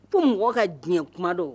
Ko mɔgɔ ka diɲɛ kuma don